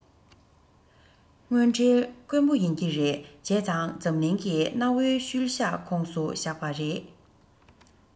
དངོས འབྲེལ དཀོན པོ ཡིན གྱི རེད བྱས ཙང འཛམ གླིང གི གནའ བོའི ཤུལ བཞག ཁོངས སུ བཞག པ རེད